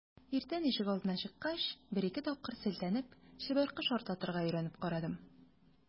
Иртән ишегалдына чыккач, бер-ике тапкыр селтәнеп, чыбыркы шартлатырга өйрәнеп карадым.